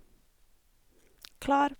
Klar.